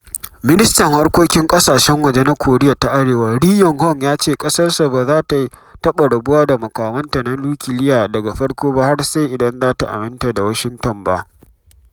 Ministan Harkokin Ƙasashen Waje na Koriya ta Arewa Ri Yong Ho ya ce ƙasarsa ba za ta taɓa rabuwa da makamanta na nukiliya daga farko ba sai idan ba za aminta da Washington ba.